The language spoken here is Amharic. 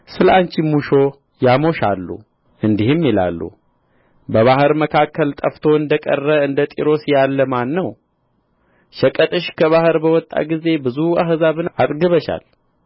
ስለ አንቺም ሙሾ ያሞሻሉ እንዲህም ይላሉ በባሕር መካከል ጠፍቶ እንደ ቀረ እንደ ጢሮስ ያለ ማን ነው ሸቀጥሽ ከባሕር በወጣ ጊዜ ብዙ አሕዛብን አጥግበሻል